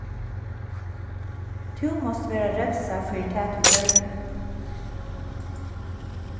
tú mást verða revsað fyri tað tú gjørdi